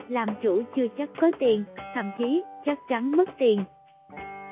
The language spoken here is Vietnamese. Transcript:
làm chủ chưa chắc có tiền thậm chí chắc chắn mất tiền